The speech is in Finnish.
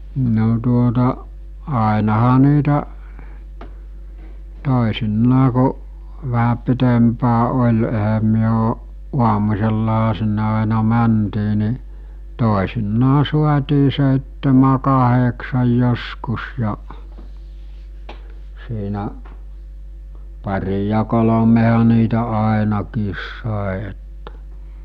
no tuota ainahan niitä toisinaan kun vähän pitempään oli eihän me on aamusellahan sinne aina mentiin niin toisinaan saatiin seitsemän kahdeksan joskus ja siinä pari ja kolmehan niitä ainakin sai että